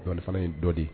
Dɔnni fana ye dɔ de ye